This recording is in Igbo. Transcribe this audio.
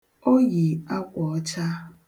O yi akwa ọcha.